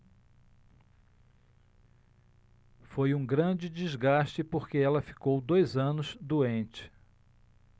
foi um grande desgaste porque ela ficou dois anos doente